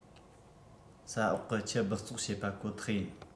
ས འོག གི ཆུ སྦགས བཙོག བྱེད པ ཁོ ཐག ཡིན